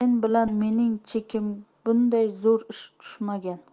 sen bilan mening chekimga bunday zo'r ishlar tushmagan